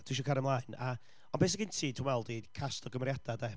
Ti isio cario ymlaen, a, ond be sydd gen ti, dwi'n meddwl, ydy cast o gymeriadau, de,